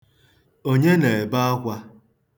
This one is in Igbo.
Onye na-ebe akwa?